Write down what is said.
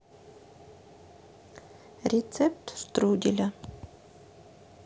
рецепт штруделя